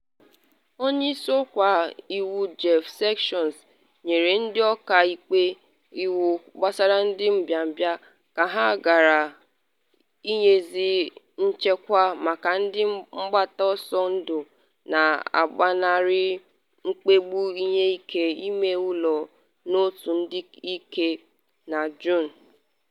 Onye Isi Ọka Iwu Jeff Sessions nyere ndị ọka ikpe iwu gbasara ndị mbịambịa, ka ha ghara inyezi nchekwa maka ndị mgbata ọsọ ndụ na-agbanarị mmegbu ihe ike ime ụlọ na otu ndị ike na Juun.